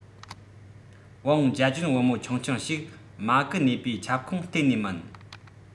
བང ཅ ཅོན བུ མོ ཆུང ཆུང ཞིག གི ནུས པའི ཁྱབ ཁོངས གཏན ནས མིན